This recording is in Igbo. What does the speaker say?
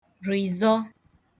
rị̀zọ